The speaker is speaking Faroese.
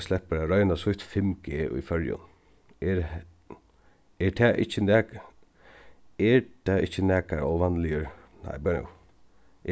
sleppur at royna sítt 5g í føroyum er tað ikki er tað ikki nakar óvanligur nei bíða nú